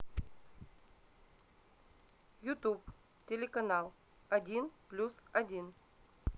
ютуб телеканал один плюс один